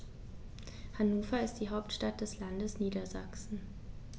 Hannover ist die Hauptstadt des Landes Niedersachsen.